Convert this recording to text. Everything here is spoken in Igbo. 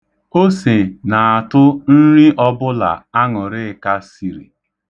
Ose na-atụ nri ọbụla Aṅụrịka siri.